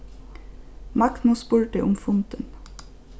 magnus spurdi um fundin